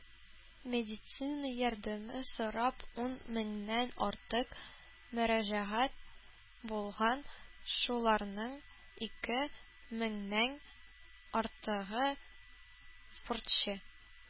Медицина ярдәме сорап ун меңнән артык мөрәҗәгать булган, шуларның ике меңнән артыгы - спортчы.